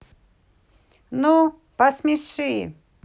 ну посмеши